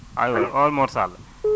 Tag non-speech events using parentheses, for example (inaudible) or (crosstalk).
allo oowal Mor Sall (noise)